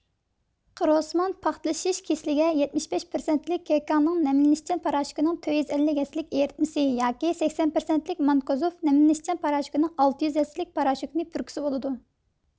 قىروسىمان پاختىلىشىش كېسىلىگە يەتمىش بەش پىرسەنتلىك كېكاڭلىڭ نەملىنىشچان پاراشوكىنىڭ تۆت يۈز ئەللىك ھەسسىلىك ئېرىتمىسى ياكى سەكسەن پىرسەنتلىك مانكوزېب نەملىنىشچان پاراشوكىنىڭ ئالتە يۈز ھەسسىلىك پاراشوكىنى پۈركۈسە بولىدۇ